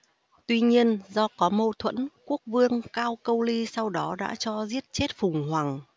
tuy nhiên do có mâu thuẫn quốc vương cao câu ly sau đó đã cho giết chết phùng hoằng